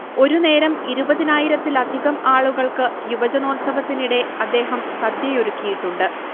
ഒരുനേരം ഇരുപതിനായിരത്തിലധികം ആളുകൾക്ക് യുവജനോത്സവത്തിനിടെ അദ്ദേഹം സദ്യയൊരുക്കിയിട്ടുണ്ട്